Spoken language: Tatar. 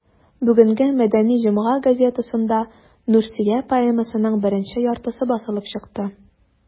Бүгенге «Мәдәни җомга» газетасында «Нурсөя» поэмасының беренче яртысы басылып чыкты.